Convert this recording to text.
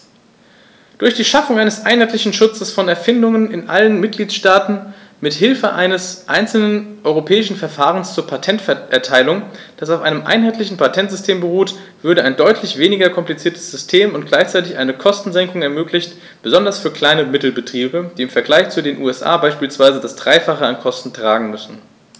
Durch die Schaffung eines einheitlichen Schutzes von Erfindungen in allen Mitgliedstaaten mit Hilfe eines einzelnen europäischen Verfahrens zur Patenterteilung, das auf einem einheitlichen Patentsystem beruht, würde ein deutlich weniger kompliziertes System und gleichzeitig eine Kostensenkung ermöglicht, besonders für Klein- und Mittelbetriebe, die im Vergleich zu den USA beispielsweise das dreifache an Kosten tragen müssen.